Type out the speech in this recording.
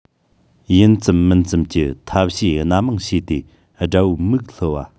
ཡིན ཙམ མིན ཙམ གྱི ཐབས ཤེས སྣ མང བྱས ཏེ དགྲ བོའི མིག སླུ བ